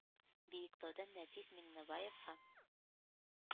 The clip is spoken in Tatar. Биектаудан Нәфис Миңнебаевка